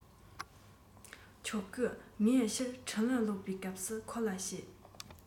ཆོག གི ངས ཕྱིར འཕྲིན ལན ལོག པའི སྐབས སུ ཁོ ལ བཤད